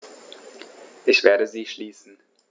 Ich werde sie schließen.